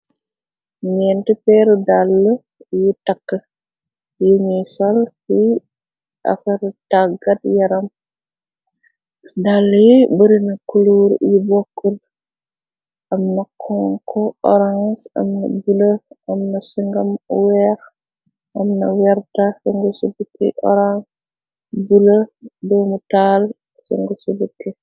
Ñent peeru dàl yi takk, yiñuy sol ci afar tàggat yaram, dal yi barina kuluur yi bokkl, am na conko, orange, amn bula, am na ci ngam, weex , am na werta, fengu si bukki, oran, bula, bumu taal, cengu su bikk.